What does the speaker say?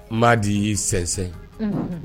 Madi y'i sɛnsɛn, unhun